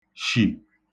shì